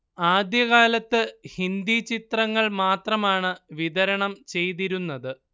ആദ്യ കാലത്ത് ഹിന്ദി ചിത്രങ്ങൾ മാത്രമാണ് വിതരണം ചെയ്തിരുന്നത്